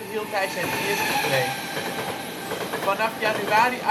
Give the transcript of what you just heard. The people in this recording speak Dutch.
hield hij zijn eerste preek. Vanaf januari